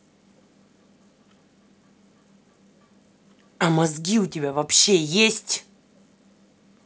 а мозги у тебя вообще есть